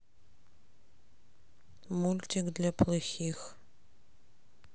мультик для плохих